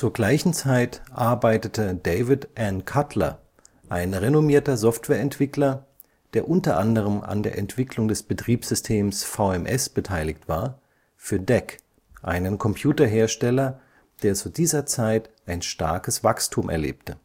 gleichen Zeit arbeitete David N. Cutler, ein renommierter Softwareentwickler, der unter anderem an der Entwicklung des Betriebssystems VMS beteiligt war, für DEC, einen Computerhersteller, der zu dieser Zeit ein starkes Wachstum erlebte